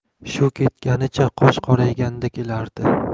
shu ketganicha qosh qorayganda kelardi